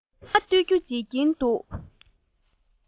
འོ མ ལྡུད རྒྱུ རྗེད ཀྱིན འདུག